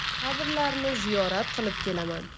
qabrlarini ziyorat qilib kelaman